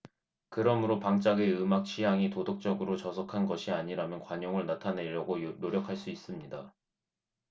그러므로 방짝의 음악 취향이 도덕적으로 저속한 것이 아니라면 관용을 나타내려고 노력할 수 있습니다